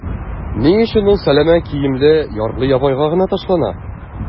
Ни өчен ул сәләмә киемле ярлы-ябагайга гына ташлана?